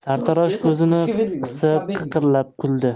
sartarosh ko'zini qisib qiqirlab kuldi